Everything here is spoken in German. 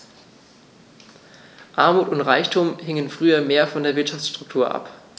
Armut und Reichtum hingen früher mehr von der Wirtschaftsstruktur ab.